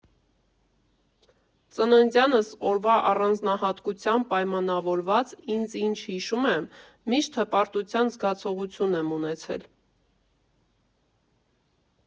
Ծննդյանս օրվա առանձնահատկությամբ պայմանավորված ինչ ինձ հիշում եմ, միշտ հպարտության զգացողություն եմ ունեցել։